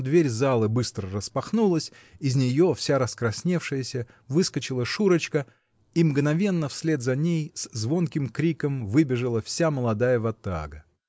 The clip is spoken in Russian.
но дверь залы быстро распахнулась -- из нее, вся раскрасневшаяся, выскочила Шурочка, и мгновенно, вслед за ней, с звонким криком выбежала вся молодая ватага.